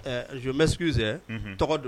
Zomɛsigisɛn tɔgɔ don